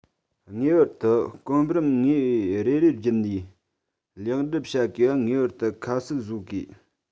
ངེས པར དུ གོམ རིམ དངོས རེ རེ བརྒྱུད ནས ལེགས འགྲུབ བྱ དགོས པ ངེས པར དུ ཁ གསལ བཟོ དགོས